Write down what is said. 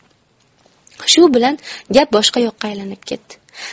shu bilan gap boshqa yoqqa aylanib ketdi